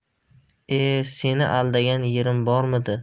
ie seni aldagan yerim bormidi